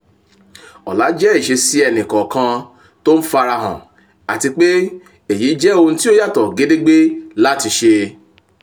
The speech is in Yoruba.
Ọ̀lá jẹ́ ìṣesí ẹ̀nì kọ̀ọ̀kan to ń farahàn, àtipé èyí jẹ́ ohun ti ó yàtọ̀ gedégbé láti ṣe.